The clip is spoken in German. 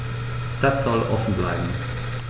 Das soll offen bleiben.